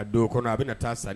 A don kɔnɔ a bɛ bɛna na taa sa